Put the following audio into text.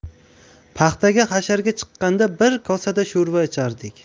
paxtaga hasharga chiqqanda bir kosada sho'rva ichardik